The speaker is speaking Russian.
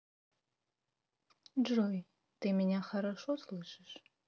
джой ты меня хорошо слышишь